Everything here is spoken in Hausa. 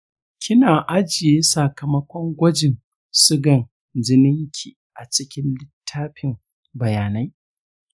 kina ajiye sakamakon gwajin sugan jinin ki acikin littafin bayanai?